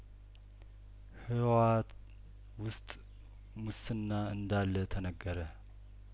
ህወሀት ውስጥ ሙስና እንዳለተነገረ